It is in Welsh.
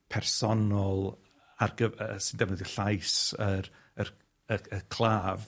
personol ar gyf- yy sy'n defnyddio llais yr yr y y claf.